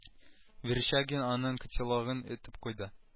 Верещагин аның котелогын этеп куйды